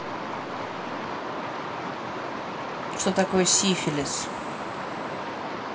что такое сифилис